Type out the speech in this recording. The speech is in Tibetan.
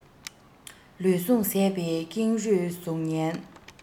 ལུས ཟུངས ཟད པའི ཀེང རུས གཟུགས བརྙན